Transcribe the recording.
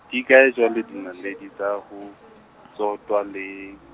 dikae jwale di naledi tsa ho tsotwa le?